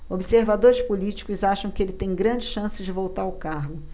observadores políticos acham que ele tem grandes chances de voltar ao cargo